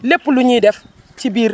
lépp lu ñuy def ci biir